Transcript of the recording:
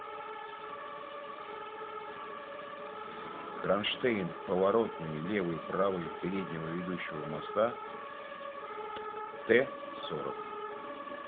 кронштейн поворотный левый правый переднего ведущего моста т сорок